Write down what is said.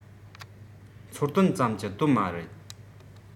འཚོལ དོན ཙམ ཀྱི དོན མ རེད